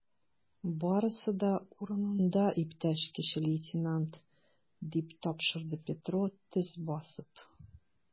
Барысы да урынында, иптәш кече лейтенант, - дип тапшырды Петро, төз басып.